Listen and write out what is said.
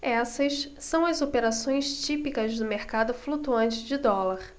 essas são as operações típicas do mercado flutuante de dólar